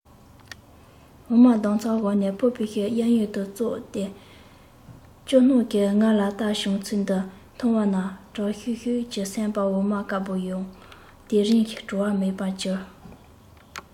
འོ མ ལྡག མཚམས བཞག ནས ཕོར པའི གཡས གཡོན དུ ཙོག སྟེ སྐྱོ སྣང གིས ང ལ བལྟས བྱུང ཚུལ འདི མཐོང བ ན གྲང ཤུར ཤུར གྱི སེམས པས འོ མ དཀར པོ ཡང དེ རིང བྲོ བ མེད པར འགྱུར